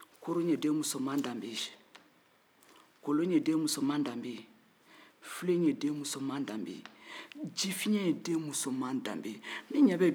filen ye den musoman danbe ye ji fiyɛn ye den musoman danbe ye ne ɲɛ bɛ bi fiyɛn tɛ ka bila denmusomaw kuna tuguni